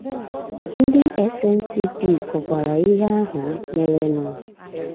Ndị SNTP kọkwara ihe ahụ merenụ: